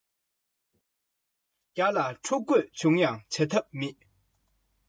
བརྒྱ ལ འཁྲུག དགོས བྱུང ཡང བྱ ཐབས མེད